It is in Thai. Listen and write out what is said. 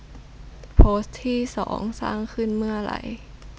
โพสต์ที่สองสร้างขึ้นเมื่อไร